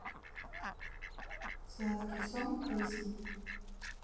сладкий сон песни